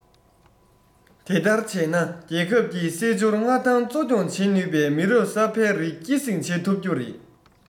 དེ ལྟར བྱས ན རྒྱལ ཁབ ཀྱི སྲིད འབྱོར མངའ ཐང གཙོ སྐྱོང བྱེད ནུས པའི མི རབས གསར བའི རིགས སྐྱེད སྲིང བྱེད ཐུབ རྒྱུ རེད